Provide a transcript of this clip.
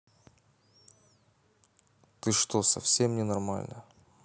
ты что совсем не нормально